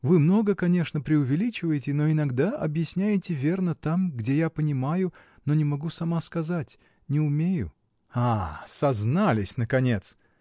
Вы много, конечно, преувеличиваете, но иногда объясняете верно там, где я понимаю, но не могу сама сказать, не умею. — А, сознались наконец!